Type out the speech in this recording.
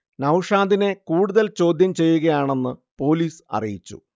നൗഷാദിനെ കൂടുതൽ ചോദ്യം ചെയ്യുകയാണെന്ന് പൊലീസ് അറിയിച്ചു